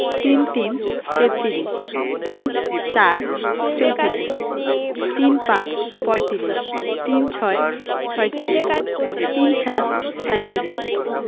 ৩৩ - তেত্রিশ ৩৪ - চৌত্রিশ ৩৫ - পঁয়ত্রিশ ৩৬ - ছত্রিশ ৩৭ - সাঁইত্রিশ